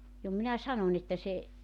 jo minä sanoin että se